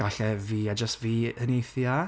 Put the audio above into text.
Galle fi, a jyst fi, uniaethu a.